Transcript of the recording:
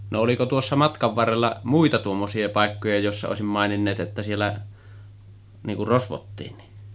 no oliko tuossa matkan varrella muita tuommoisia paikkoja joissa olisi maininneet että siellä niin kuin rosvottiinkin